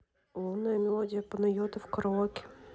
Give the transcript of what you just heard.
лунная мелодия панайотов караоке